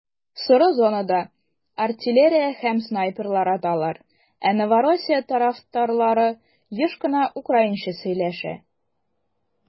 Соры зонада артиллерия һәм снайперлар аталар, ә Новороссия тарафтарлары еш кына украинча сөйләшә.